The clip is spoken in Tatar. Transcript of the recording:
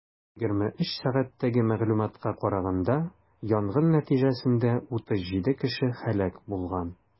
23:00 сәгатьтәге мәгълүматка караганда, янгын нәтиҗәсендә 37 кеше һәлак булган.